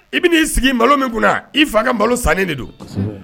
I bɛ n'i sigi malo min kunna i fa ka malo sannen de don!